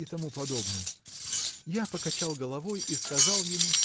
и т.п. Я покачал головой и сказал ему